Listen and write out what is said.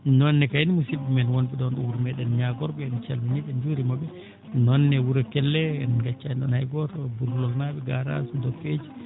Ɗuum noon ne kayne musidɓe men won ɓe ɗoon ɗo wuro meeɗen Ñagor?e en calminii ɓe en njuuriima ɓe ɗum noon ne wuro Kelle en ngaccaani ɗoon hay gooto Goudronnaaɓe garage